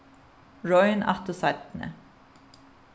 royn aftur seinni